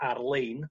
ar-lein